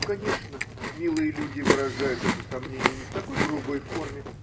Конечно, милые люди выражают это сомнение не в такой грубой форме.